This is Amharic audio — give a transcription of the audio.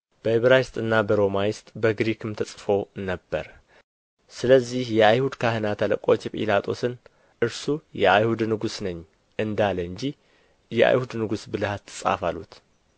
በዕብራይስጥና በሮማይስጥ በግሪክም ተጽፎ ነበር ስለዚህ የአይሁድ ካህናት አለቆች ጲላጦስን እርሱ የአይሁድ ንጉስ ነኝ እንዳለ እንጂ የአይሁድ ንጉሥ ብለህ አትጻፍ አሉት